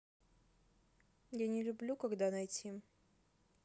я не люблю когда найти